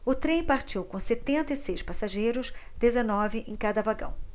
o trem partiu com setenta e seis passageiros dezenove em cada vagão